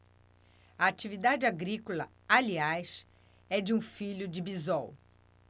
a atividade agrícola aliás é de um filho de bisol